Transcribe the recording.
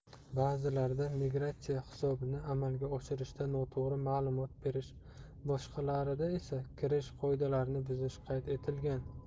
ba'zilarida migratsiya hisobini amalga oshirishda noto'g'ri ma'lumot berish boshqalarida esa kirish qoidalarini buzish qayd etilgan